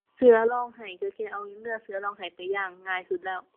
เสือร้องไห้ก็แค่เอาเนื้อเสือร้องไห้ไปย่าง ง่ายสุดแล้ว